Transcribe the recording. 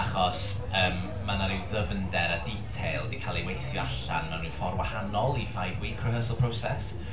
Achos yym, ma' 'na ryw ddyfnder a detail 'di cael ei weithio allan mewn ryw ffordd wahanol i five week rehearsal process.